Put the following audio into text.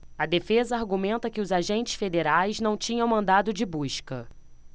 a defesa argumenta que os agentes federais não tinham mandado de busca